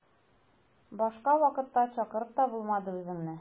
Башка вакытта чакырып та булмады үзеңне.